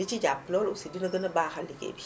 di ci jàpp loolu aussi dina gën a baaxal liggéey bi